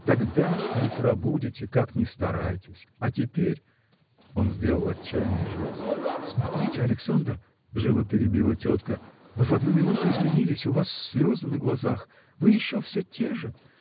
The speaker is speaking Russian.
тогда не пробудите, как ни старайтесь, а теперь. Он сделал отчаянный жест. – Смотрите Александр – живо перебила тетка – вы в одну минуту изменились у вас слезы на глазах вы еще все те же